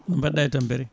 mbaɗɗa e tampere